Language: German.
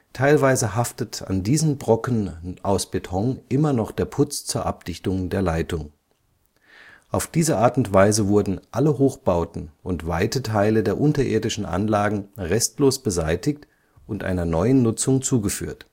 Teilweise haftet an diesen Brocken aus Beton immer noch der Putz zur Abdichtung der Leitung. Auf diese Art und Weise wurden alle Hochbauten und weite Teile der unterirdischen Anlagen restlos beseitigt und einer neuen Nutzung zugeführt